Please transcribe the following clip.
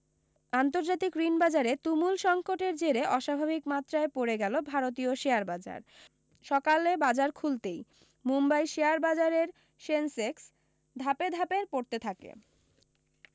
আন্তর্জাতিক ঋণ বাজারে তুমুল সঙ্কটের জেরে অস্বাভাবিক মাত্রায় পড়ে গেল ভারতীয় শেয়ার বাজার সকালে বাজার খুলতেই মুম্বাই শেয়ার বাজারের সেনসেক্স ধাপে ধাপে পড়তে থাকে